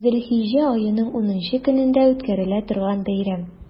Зөлхиҗҗә аеның унынчы көнендә үткәрелә торган бәйрәм.